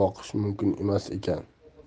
boqish mumkin emas ekan